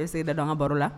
E se ka dangan baro la